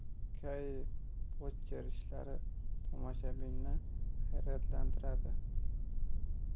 kai bottcher ishlari tomoshabinni hayratlantiradi